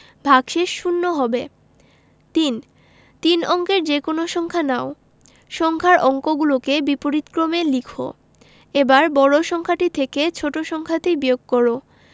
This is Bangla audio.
ভাগশেষ শূন্য হবে ৩ তিন অঙ্কের যেকোনো সংখ্যা নাও সংখ্যার অঙ্কগুলোকে বিপরীতক্রমে লিখ এবার বড় সংখ্যাটি থেকে ছোট সংখ্যাটি বিয়োগ কর